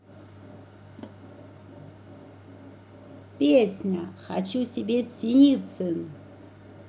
песня хочу себе синицын